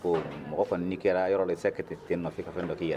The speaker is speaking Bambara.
Mɔgɔ kɔni' kɛra yɔrɔ de se ka tɛ te i ka fɛn dɔ' i yɛrɛ